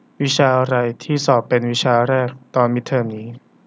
วิชาอะไรที่สอบเป็นวิชาแรกตอนมิดเทอมนี้